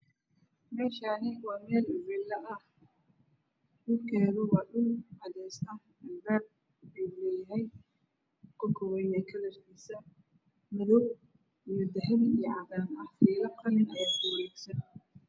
Meeshaani waa meel villo ah dhulkeeda waa cadays albabka gaduud yahay ka koobyahay kalarkiisu madow dahabi cadaan fiilo qalin ayaa ku wareegsan